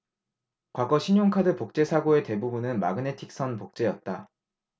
과거 신용카드 복제 사고의 대부분은 마그네틱선 복제였다